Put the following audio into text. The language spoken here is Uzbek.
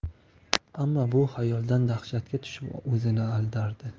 ammo bu xayoldan dahshatga tushib o'zini aldardi